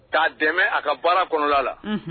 K'a dɛmɛ a ka baara kɔnɔla la